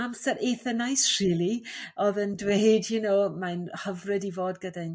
amser eitha' neis rili o'dd yn dweud you know mae'n hyfryd i fod gyda'u